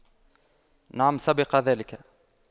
نعم سبق ذلك